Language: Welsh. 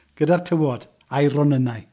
Gyda'r tywod, â'i ronnynau.